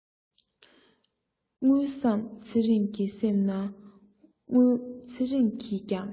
དངུལ བསམ ཚེ རིང གི སེམས ནང དངུལ ཚེ རིང གིས ཀྱང